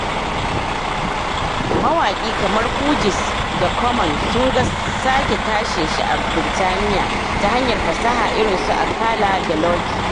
Mawaki kamar Fugees da Common sun ga sake tashin shi a Birtaniya ta hanyar fasaha irin su Akala da LowKey.